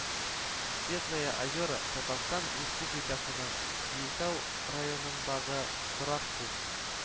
Светлое Озеро Татарстан Республикасының Биектау районындагы торак пункт